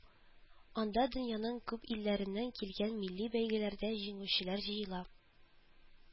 Анда дөньяның күп илләреннән килгән милли бәйгеләрдә җиңүчеләр җыела